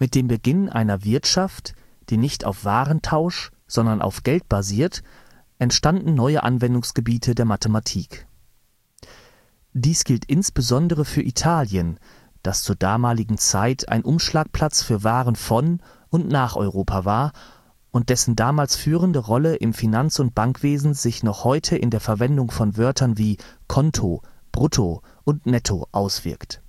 dem Beginn einer Wirtschaft, die nicht auf Warentausch, sondern auf Geld basiert, entstanden neue Anwendungsgebiete der Mathematik. Dies gilt insbesondere für Italien, das zur damaligen Zeit ein Umschlagplatz für Waren von und nach Europa war, und dessen damals führende Rolle im Finanz - und Bankwesen sich noch heute in der Verwendung von Wörtern wie „ Konto “,„ brutto “und „ netto “auswirkt